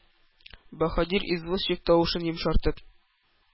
Баһадир извозчик, тавышын йомшартып,